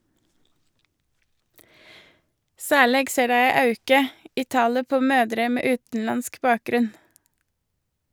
Særleg ser dei ei auke i talet på mødrer med utanlandsk bakgrunn.